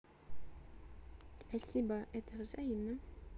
спасибо это взаимно